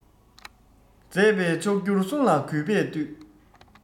མཛད པའི མཆོག གྱུར གསུང ལ གུས པས འདུད